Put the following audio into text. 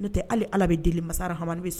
N'o tɛ hali allah bɛ deli masa rahamaani